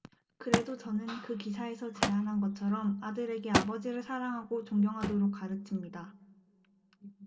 그래도 저는 그 기사에서 제안한 것처럼 아들에게 아버지를 사랑하고 존경하도록 가르칩니다